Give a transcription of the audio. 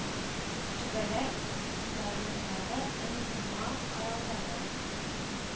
Түбәләр утарындагы эннма аралары